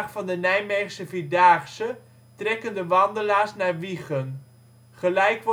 van de Nijmeegse Vierdaagse trekken de wandelaars naar Wijchen. Gelijk